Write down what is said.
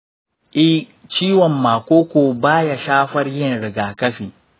eh, ciwon maƙoƙo ba ya shafar yin rigakafi.